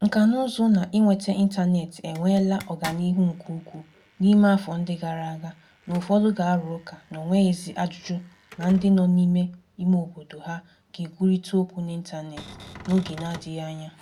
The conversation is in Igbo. Nkànaụzụ na ịnweta ịntaneetị enweela ọganihu nke ukwuu n'ime afọ ndị gara aga, na ụfọdụ ga-arụ ụka na o nweghịzi ajụjụ ma ndị nọ n'ime imeobodo hà ga-ekwurịta okwu n'ịntanetị n'oge n'adịghị anya.